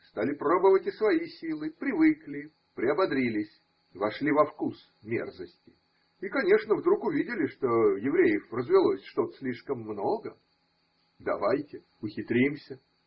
стали пробовать и свои силы, привыкли, приободрились, вошли во вкус мерзости – и, конечно, вдруг увидели, что евреев развелось что-то слишком много. Давайте ухитримся.